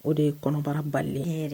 O de ye kɔnɔbara balen